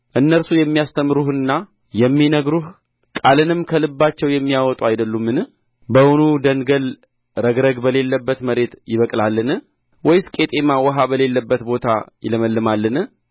እነርሱ የሚያስተምሩህና የሚነግሩህ ቃልንም ከልባቸው የሚያወጡ አይደሉምን በውኑ ደንገል ረግረግ በሌለበት መሬት ይበቅላልን ወይስ ቄጠማ ውኃ በሌለበት ቦታ ይለመልማልን